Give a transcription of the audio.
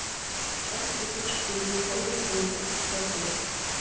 сейчас тридцать четыре исполниться ему тридцать пять лет